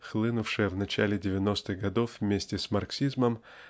хлынувшая в начале девяностых годов вместе с марксизмом